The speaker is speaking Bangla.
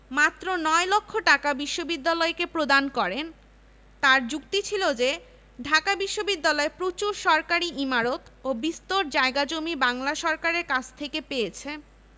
এ বিশ্ববিদ্যালয়ের প্রথম সমস্যা ছিল বাংলা সরকার আইনসভার অনুমোদন ব্যতীত সরকারি খাত থেকে কোন অর্থ ব্যয় করতে পারে না বিধায় নতুন বিশ্ববিদ্যালয় অর্থনৈতিক সংকটে পড়ে